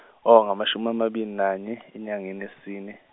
oh ngamashum' amabili nane enyangeni yesine.